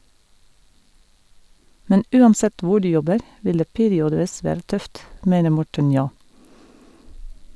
Men uansett hvor du jobber , vil det periodevis være tøft , mener Morten Njå.